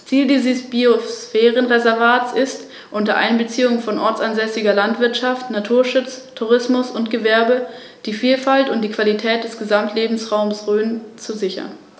In seiner östlichen Hälfte mischte sich dieser Einfluss mit griechisch-hellenistischen und orientalischen Elementen.